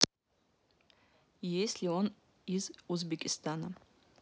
есть ли он из узбекистана